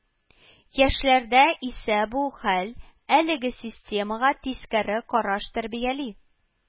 Яшьләрдә исә бу хәл әлеге системага тискәре караш тәрбияли